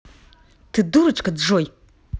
ты дурачка джой